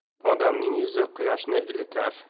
odamning yuzi quyoshni ilitar